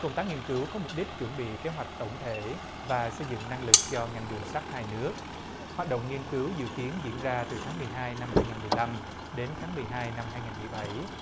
công tác nghiên cứu có mục đích chuẩn bị kế hoạch tổng thể và xây dựng năng lực cho ngành đường sắt hai nước hoạt động nghiên cứu dự kiến diễn ra từ tháng mười hai năm hai ngàn mười năm đến tháng mười hai năm hai ngàn mười bảy